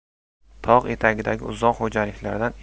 tog' etagidagi uzoq xo'jaliklardan